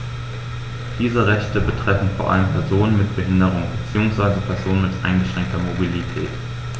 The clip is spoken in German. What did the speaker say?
Diese Rechte betreffen vor allem Personen mit Behinderung beziehungsweise Personen mit eingeschränkter Mobilität.